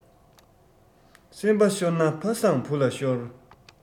སེམས པ ཤོར ན ཕ བཟང བུ ལ ཤོར